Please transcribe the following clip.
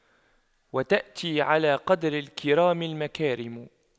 وتأتي على قدر الكرام المكارم